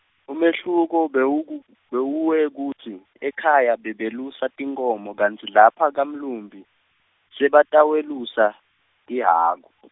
umehluko bewuku- bewuwekutsi ekhaya bebelusa tinkhomo kantsi lapha kamlumbi, sebatawelusa tihhaku .